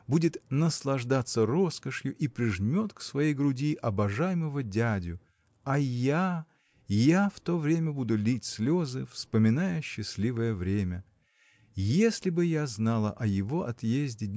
будет наслаждаться роскошью и прижмет к своей груди обожаемого дядю – а я я в то время буду лить слезы вспоминая счастливое время. Если бы я знала о его отъезде